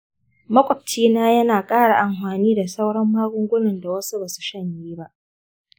maƙwabcina yana ƙara amfani da sauran magungunan da wasu ba su shanye ba.